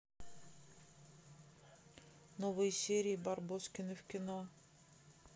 новые серии барбоскины в кино